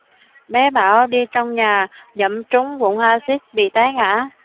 bé bảo đi trong nhà giẫm trúng vũng axit bị té ngã